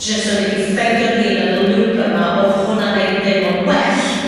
Jyst o'n i 'di ffeindio'n hun yn y lŵp yma odd hwnna'n neu' fi deimlo'n well